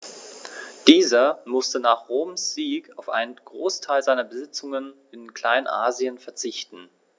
Dieser musste nach Roms Sieg auf einen Großteil seiner Besitzungen in Kleinasien verzichten.